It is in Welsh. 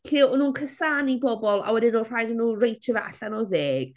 lle o'n nhw'n cusannu bobl a wedyn oedd rhaid iddyn nhw reitio fe allan o ddeg.